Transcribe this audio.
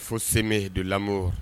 Fo semɛ don lamɔbɔ